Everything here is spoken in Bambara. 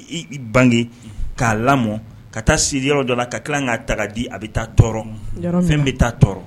Bange k'a lamɔ ka taa siri yɔrɔ dɔ la ka tila k'a ta di a bɛ taa tɔɔrɔ fɛn bɛ taa tɔɔrɔ